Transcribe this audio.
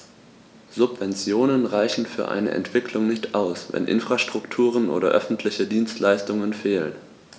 Subventionen reichen für eine Entwicklung nicht aus, wenn Infrastrukturen oder öffentliche Dienstleistungen fehlen.